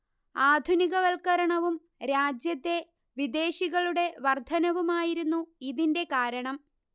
ആധുനികവൽക്കരണവും രാജ്യത്തെ വിദേശികളുടെ വർദ്ധനവുമായിരുന്നു ഇതിന്റെ കാരണം